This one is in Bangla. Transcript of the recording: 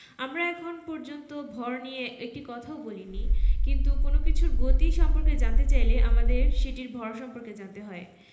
৩.১.২ বল নিউটনের প্রথম সূত্রে প্রথমবার বল শব্দটা ব্যবহার করা হয়েছে কিন্তু মজার ব্যাপার হচ্ছে বল বলতে আমরা কী বোঝাই